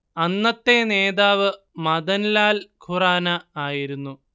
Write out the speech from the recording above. അന്നത്തെ നേതാവ് മദൻ ലാൻ ഖുറാന ആയിരുന്നു